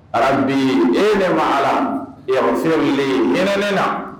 Rabbi ee ne maa Ala ighfirlii hinɛ ne la.